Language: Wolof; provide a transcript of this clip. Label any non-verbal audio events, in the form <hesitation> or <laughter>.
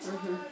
<hesitation> <hesitation>